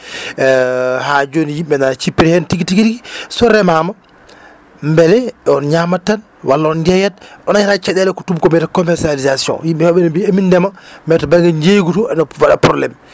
ha joni yimɓe nana cippira hen tigui tigui so remama beele on ñamat tan walla on jeeyat on dañata caɗele ko tubakoɓe mbiyata commercialisation yimɓe yewɓe ene mbi emin ndeema mais to banggue jeygu to ene waɗa probléme